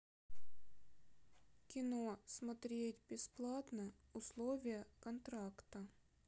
кино смотреть бесплатно условия контракта